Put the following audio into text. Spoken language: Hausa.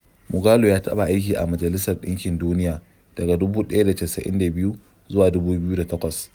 Moghalu ya taɓa aiki a Majalisar ɗinkin Duniya daga 1992 zuwa 2008.